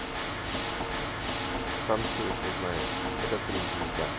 танцуй если знаешь этот принц звезда